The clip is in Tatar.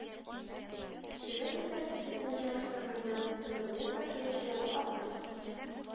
Чоры күрсәткече белән чагыштырганда, документ тапшыручылар артык